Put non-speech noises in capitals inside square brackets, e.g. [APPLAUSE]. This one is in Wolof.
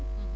[HESITATION] [HESITATION]